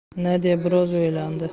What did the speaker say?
nadya bir oz o'ylandi